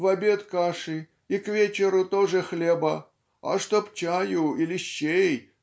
в обед каши и к вечеру тоже хлеба а чтоб чаю или щей